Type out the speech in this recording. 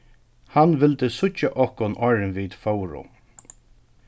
hann vildi síggja okkum áðrenn vit fóru